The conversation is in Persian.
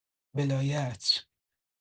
ولایت